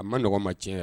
A ma nɔgɔɔgɔ ma tiɲɛ yɛrɛ